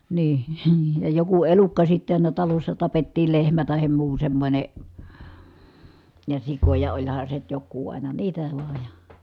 niin ja joku elukka sitten aina talossa tapettiin lehmä tai muu semmoinen ja sikoja olihan se nyt joku aina niitä vain ja